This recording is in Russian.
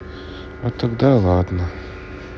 а тогда ладно